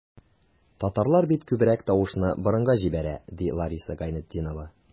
Татарлар бит күбрәк тавышны борынга җибәрә, ди Лариса Гайнетдинова.